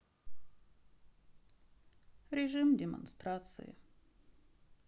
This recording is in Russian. режим демонстрации